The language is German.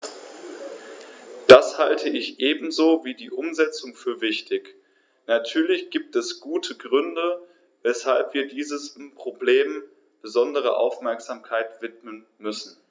Das halte ich ebenso wie die Umsetzung für wichtig. Natürlich gibt es gute Gründe, weshalb wir diesem Problem besondere Aufmerksamkeit widmen müssen.